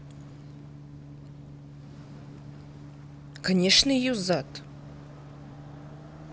конечно ее зад